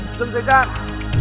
dừng thời gian